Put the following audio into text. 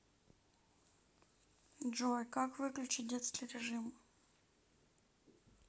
джой как выключить детский режим